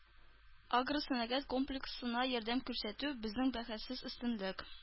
“агросәнәгать комплексына ярдәм күрсәтү – безнең бәхәссез өстенлек”